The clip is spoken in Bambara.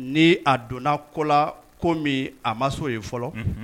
Ni a donna kola ko min a ma so ye fɔlɔ